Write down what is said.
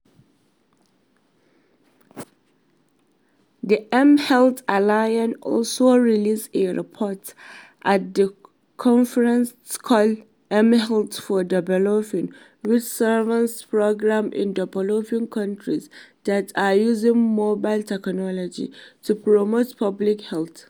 The mHealth Alliance also released a report at the conference called mHealth for Development, which surveys programs in developing countries that are using mobile technology to promote public health.